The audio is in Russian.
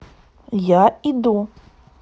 я иду